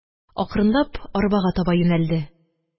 Акрынлап арбага таба юнәлде